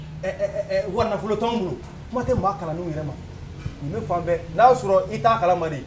Ɛ ɛ ɛ ɛ u ka nafolo t'anw bolo kuma tɛ maa kalanenw yɛrɛ ma nin bɛ fan bɛɛ n'a y'a sɔrɔ i t'a kalama de